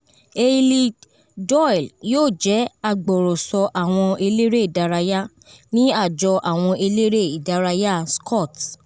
Eilidh Doyle yoo jẹ "agbọrọsọ awọn elere idaraya" ni Ajọ Awọn Elere idaraya Scott